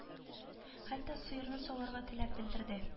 Хәтта сыерны саварга теләк белдерде